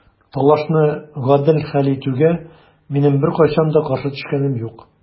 Талашны гадел хәл итүгә минем беркайчан да каршы төшкәнем юк.